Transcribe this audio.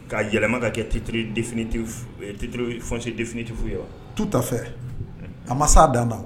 Ka yɛlɛma ka kɛ tettirittiri fsiinitifu ye wa tu ta fɛ a masa danda